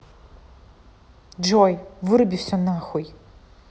джой выруби все нахуй